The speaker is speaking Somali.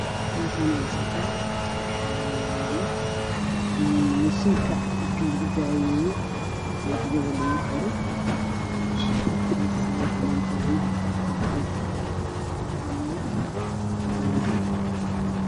Meeshaani waa isbitaal waxaa yaalo qarabka dadka lagu cabbiro kale cadaan